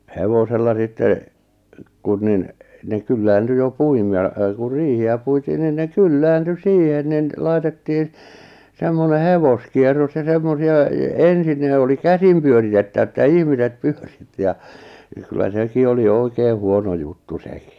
hevosella sitten kun niin ne kyllääntyi jo - ja kun riihiä puitiin niin ne kyllääntyi siihen niin laitettiin semmoinen hevoskierros ja semmoisia - ensin ne oli käsin pyöritettävä että ihmiset pyöritti ja ja kyllä sekin oli oikein huono juttu sekin